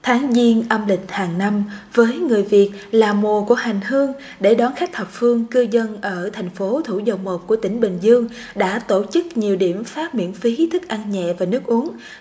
tháng giêng âm lịch hằng năm với người việt là mùa của hành hương để đón khách thập phương cư dân ở thành phố thủ dầu một của tỉnh bình dương đã tổ chức nhiều điểm phát miễn phí thức ăn nhẹ và nước uống